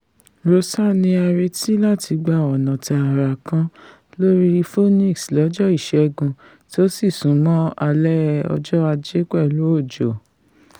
Rosa ni a retí láti gba ọ̀nà tààrà kan lórí Phoenix lọjọ́ Ìṣẹ́gun, tósì ńsúnmọ́ alẹ́ ọjọ́ Ajé pẹ̀lú òjò.